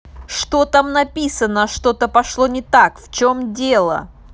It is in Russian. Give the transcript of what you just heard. что там написано что то пошло не так в чем дело